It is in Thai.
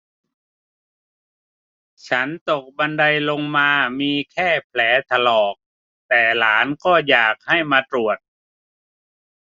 ฉันตกบันไดลงมามีแค่แผลถลอกแต่หลานก็อยากให้มาตรวจ